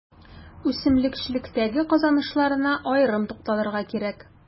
Үсемлекчелектәге казанышларына аерым тукталырга кирәк.